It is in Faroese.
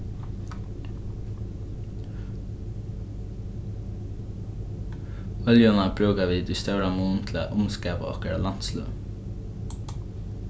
oljuna brúka vit í stóran mun til at umskapa okkara landsløg